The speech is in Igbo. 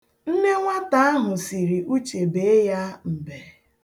Nne nwata ahụ sịrị Uche bee ya mbe.